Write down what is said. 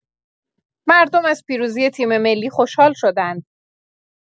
مردم از پیروزی تیم‌ملی خوشحال شدند